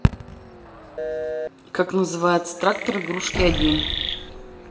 как называется трактор игрушки один